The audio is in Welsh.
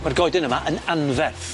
...ma'r goeden yma yn anferth.